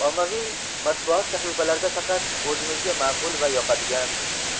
ommaviy matbuot sahifalarida faqat o'zimizga maqul va yoqadigan